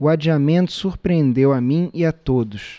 o adiamento surpreendeu a mim e a todos